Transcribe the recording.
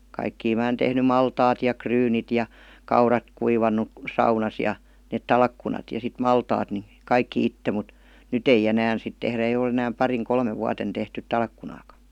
kaikkia minä olen tehnyt maltaat ja ryynit ja kaurat kuivanut saunassa ja ne talkkunat ja sitten maltaat niin kaikki itse mutta nyt ei enää sitten tehdä ei ole enää parina kolmena vuotena tehty talkkunaakaan